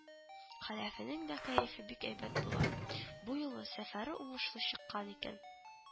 Хәләфенең дә кәефе бик әйбәт була. Бу юлы сәфәре уңышлы чыккан икән